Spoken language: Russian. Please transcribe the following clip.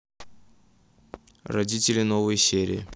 родители новые серии